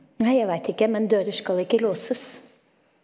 nei jeg veit ikke, men dører skal ikke låses.